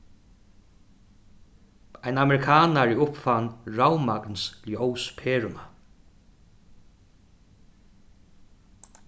ein amerikanari uppfann ravmagnsljósperuna